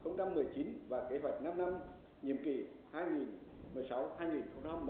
không trăm mười chín và kế hoạch năm năm nhiệm kỳ hai nghìn mười sáu hai nghìn không